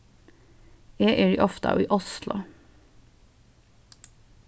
eg eri ofta í oslo